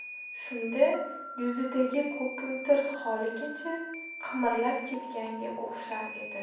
shunda yuzidagi ko'kimtir xoligacha qimirlab ketganga o'xshar edi